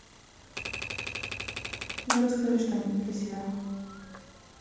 ну расскажи что нибудь про себя